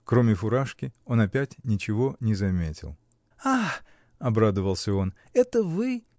Кроме фуражки, он опять ничего не заметил. — Ах! — обрадовался он, — это вы.